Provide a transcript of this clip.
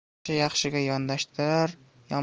yaxshi yaxshiga yondashtirar